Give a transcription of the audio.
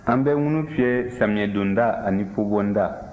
an bɛ ŋunu fiyɛ samiyɛdonda ani fobɔnda